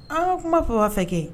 Aa kuma fɔba fɛ kɛ